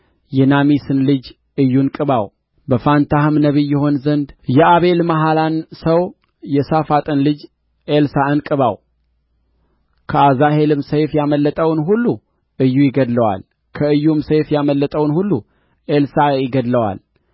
የናሜሲን ልጅ ኢዩን ቅባው በፋንታህም ነቢይ ይሆን ዘንድ የአቤልምሖላን ሰው የሣፋጥን ልጅ ኤልሳዕን ቅባው ከአዛሄልም ሰይፍ ያመለጠውን ሁሉ ኢዩ ይገድለዋል ከኢዩም ሰይፍ ያመለጠውን ሁሉ ኤልሳዕ ይገድለዋል